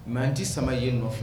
Mɛ an tɛ sama ye nɔ nɔfɛ